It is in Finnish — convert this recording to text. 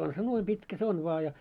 on se noin pitkä se on vain ja